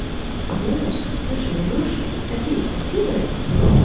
ты знаешь плюшевые игрушки такие красивые